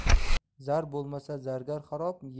zar bo'lmasa zargar xarob